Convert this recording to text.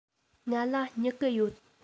ང ལ སྨྱུ གུ ཡོད